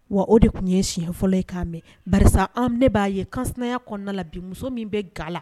Wa o de tun ye siɲɛ fɔlɔ ye kan mɛn karisa minɛ b'a ye kanya kɔnɔna la bi muso min bɛ ga la